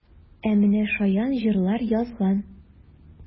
Ә менә шаян җырлар язган!